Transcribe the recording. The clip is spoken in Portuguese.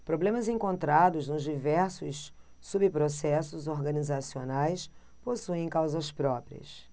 problemas encontrados nos diversos subprocessos organizacionais possuem causas próprias